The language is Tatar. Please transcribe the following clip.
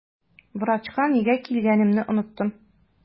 Врачка нигә килгәнлегемне оныттым.